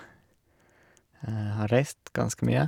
Jeg har reist ganske mye.